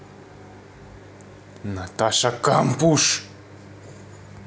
наташа кампуш